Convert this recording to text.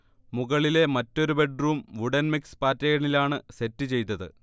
മുകളിലെ മറ്റൊരു bedroom wooden mix പാറ്റേണിലാണ് സെറ്റ് ചെയ്തത്